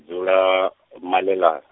dzula, Malela-.